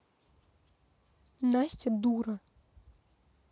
настя дура